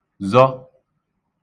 zọ